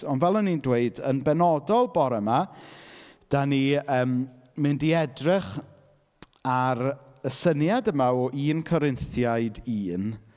Ond fel o'n i'n dweud, yn benodol bore 'ma, dan ni yym mynd i edrych ar y syniad yma o un Corinthiaid un.